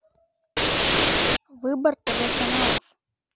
выбор тв каналов